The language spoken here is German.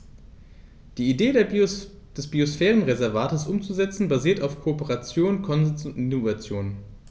Die Idee des Biosphärenreservates umzusetzen, basiert auf Kooperation, Konsens und Innovation.